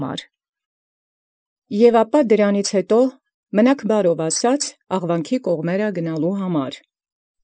Կորյուն Եւ ապա յետ այնորիկ հրաժարեալ գնալ ի կողմանս Աղուանից։